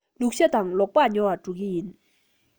ལུག ཤ དང ལུག ལྤགས ཉོ བར འགྲོ གི ཡིན